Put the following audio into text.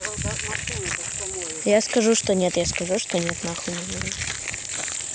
я скажу что нет я скажу что нет нахуй не нужен